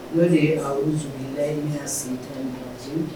'o de ye zla i sigi